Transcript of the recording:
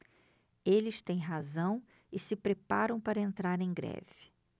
eles têm razão e se preparam para entrar em greve